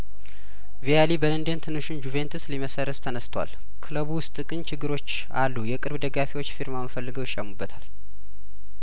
ቪያሊ በለንደን ትንሹን ጁቬንትስ ሊመሰርት ተነስቷል ክለቡ ውስጥ ግን ችግሮች አሉ የቅርብ ደጋፊዎች ፊርማውን ፈልገው ይሻሙበታል